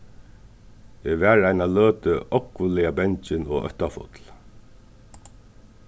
eg var eina løtu ógvuliga bangin og óttafull